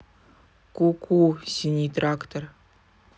куку синий трактор